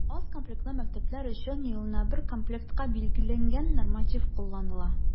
Аз комплектлы мәктәпләр өчен елына бер комплектка билгеләнгән норматив кулланыла.